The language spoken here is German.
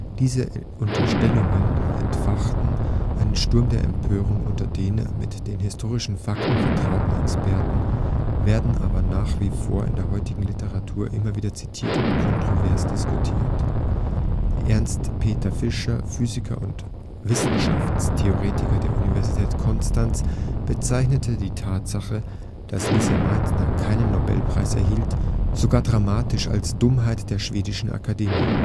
Diese Unterstellungen entfachten einen Sturm der Empörung unter den mit den historischen Fakten vertrauten Experten, werden aber nach wie vor in der heutigen Literatur immer wieder zitiert und kontrovers diskutiert. Ernst Peter Fischer, Physiker und Wissenschaftshistoriker der Universität Konstanz bezeichnete die Tatsache, dass Lise Meitner keinen Nobelpreis erhielt, sogar drastisch als „ Dummheit der schwedischen Akademie